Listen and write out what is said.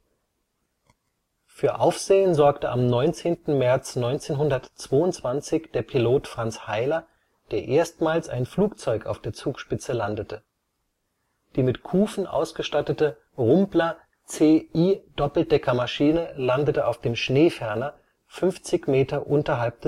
Für Aufsehen sorgte am 19. März 1922 der Pilot Franz Hailer, der erstmals ein Flugzeug auf der Zugspitze landete. Die mit Kufen ausgestattete Rumpler C. I.-Doppeldeckermaschine landete auf dem Schneeferner, 50 m unterhalb